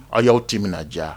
Aw y'aw te minna na diya